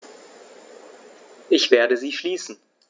Ich werde sie schließen.